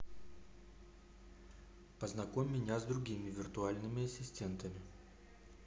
познакомь меня с другими виртуальными ассистентами